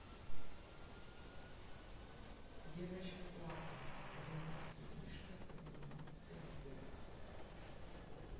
девочка плакала олимпийский мишка поднимался вверх